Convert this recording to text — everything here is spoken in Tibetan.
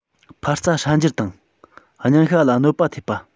འཕར རྩ སྲ འགྱུར དང སྙིང ཤ ལ གནོད པ ཐེབས པ